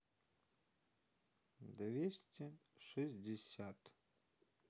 двести шестьдесят